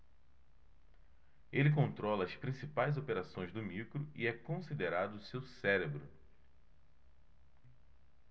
ele controla as principais operações do micro e é considerado seu cérebro